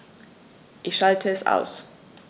Ich schalte es aus.